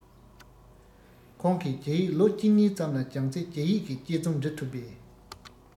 ཁོང གིས རྒྱ ཡིག ལོ གཅིག གཉིས ཙམ ལ སྦྱངས ཚེ རྒྱ ཡིག གི དཔྱད རྩོམ འབྲི ཐུབ པས